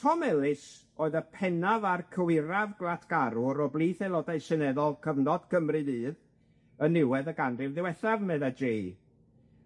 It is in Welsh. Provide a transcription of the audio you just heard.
Tom Ellis oedd y pennaf a'r cywiraf gwlatgarwr o blith aelodau seneddol cyfnod Cymru fydd, yn niwedd y ganrif ddiwethaf, medda Jay.